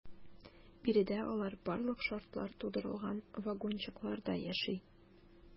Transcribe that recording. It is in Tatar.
Биредә алар барлык шартлар тудырылган вагончыкларда яши.